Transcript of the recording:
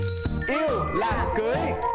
yêu là cưới